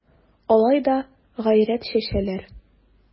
Алай дип гайрәт чәчәләр...